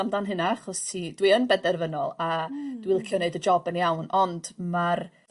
amdan hynna achos ti dwi yn benderfynol a... Hmm. ...dwi licio neud y job yn iawn ond ma'r